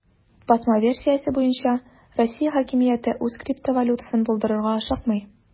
Басма версиясе буенча, Россия хакимияте үз криптовалютасын булдырырга ашыкмый.